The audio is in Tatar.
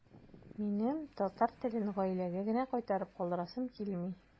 Минем татар телен гаиләгә генә кайтарып калдырасым килми.